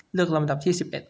เลือกลำดับที่สิบเอ็ด